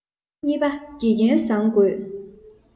གཉིས པ དགེ རྒན བཟང དགོས